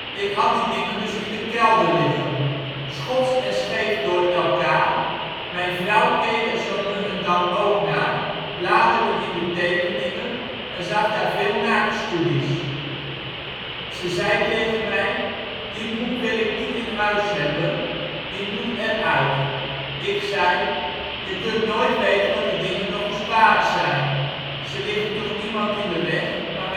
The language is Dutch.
Ik had die dingen dus in de kelder liggen, schots en scheef door elkaar, mijn vrouw keek er zo nu en dan ook naar, bladerde in de tekeningen en zag daar veel naaktstudies. Zij zei tegen mij: Die boel wil ik niet in huis hebben, die moet er uit. Ik zei: Je kunt nooit weten wat die dingen nog een ‘s waard zijn, ze liggen toch niemand in de weg, maar